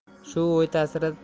shu o'y tasirida